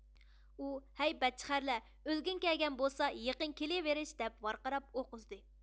ئۇ ھەي بەچچىخەرلەر ئۆلگۈڭ كەلگەن بولسا يېقىن كېلىۋېرىش دەپ ۋارقىراپ ئوق ئۈزدى